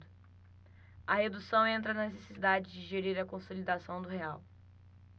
a redução entra na necessidade de gerir a consolidação do real